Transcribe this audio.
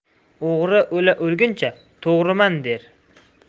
o'g'ri o'la o'lguncha to'g'riman der